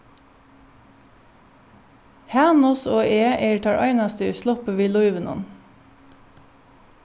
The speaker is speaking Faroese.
hanus og eg eru teir einastu ið sluppu við lívinum